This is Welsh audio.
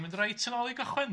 Mynd reit yn ôl i gychwyn?